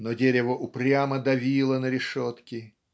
но дерево упрямо давило на решетки.